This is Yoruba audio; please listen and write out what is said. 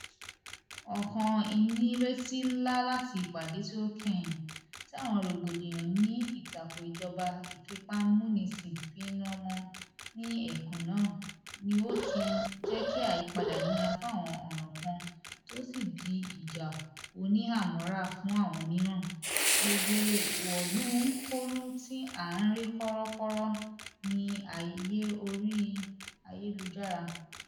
Ọkàn ìnírètí ńlá láti ìpàdé tí ó kẹ́yìn, tí àwọn rògbòdìyàn ní ìtakò ìjọba ìfipámúnisìn fíná mọ́ ní ẹkùn náà, ni ó ti jẹ́ kí àyípadà nira fún àwọn ọ̀ràn kan tí ó sì di ìjà oníhàámọ́ra fún àwọn mìíràn, gbogbo wọ́lù-ǹ-kọlù tí à ń rí kòrókòró ní ayé orí ayélujára.